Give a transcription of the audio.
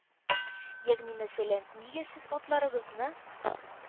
Ягъни мәсәлән, нигә сез атларыгызны